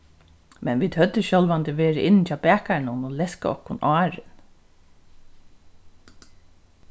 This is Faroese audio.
men vit høvdu sjálvandi verið inni hjá bakaranum og leskað okkum áðrenn